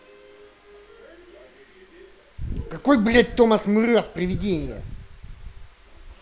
какой блядь thomas mraz привидения